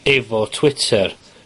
efo Twitter.